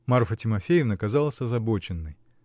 Марфа Тимофеевна казалась озабоченной